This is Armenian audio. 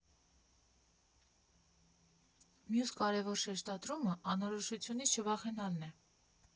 Մյուս կարևոր շեշտադրումը՝ անորոշությունից չվախենալն է։